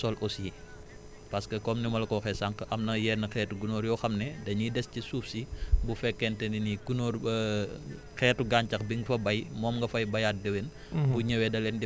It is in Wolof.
préparation du sol aussi parce que comme ni ma la ko waxee sànq am na yenn xeetu gunóor yoo xam ne dañuy des ci suuf si bu fekkente ne ni gunóor xeetu gàncax bi nga fa béy moom nga fay béyaat déwén